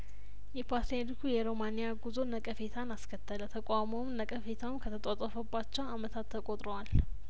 የፓትርያሊኩ የሮማን ያጉዞ ነቀፌታን አስከተለ ተቃውሞውም ነቀፌታውም ከተጧጧፈባቸው አመታት ተቆጥረዋል